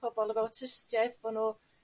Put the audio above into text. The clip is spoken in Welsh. pobol efo awtistiaeth bo' nw